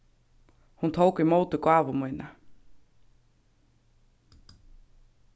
hon tók ímóti gávu míni